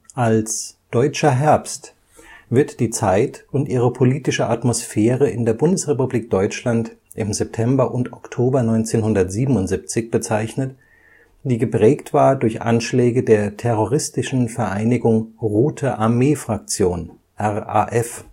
Als Deutscher Herbst wird die Zeit und ihre politische Atmosphäre in der Bundesrepublik Deutschland im September und Oktober 1977 bezeichnet, die geprägt war durch Anschläge der terroristischen Vereinigung Rote Armee Fraktion (RAF